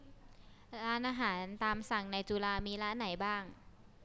ร้านอาหารตามสั่งในจุฬามีร้านไหนบ้าง